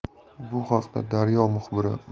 bu haqda daryo muxbiri